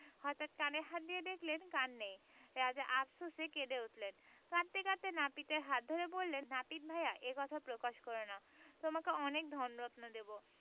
হঠাৎ কানে হাত দিয়ে দেখলেন কান নেই রাজা আপসোসে কেঁদে উঠলেন কাঁদতে কাঁদতে নাপিতের হাতে ধরে বললেন নাপিত ভায়া এ কথা প্রকাশ কর না তোমাকে অনেক ধনরত্ন দেব